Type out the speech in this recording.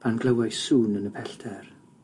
pan glywais sŵn yn y pellter.